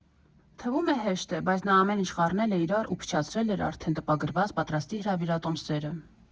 Թվում է՝ հեշտ է, բայց նա ամեն ինչ խառնել էր իրար ու փչացրել էր արդեն տպագրված, պատրաստի հրավիրատոմսերը.